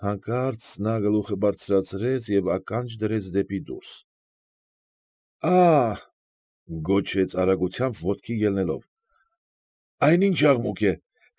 Հանկարծ նա գլուխը բարձրացրեց և ականջ դրեց դեպի դուրս։ ֊ Ա՛հ,֊ գոչեց, արագությամբ ոտքի ելնելով,֊ այդ ի՞նչ աղմուկ է։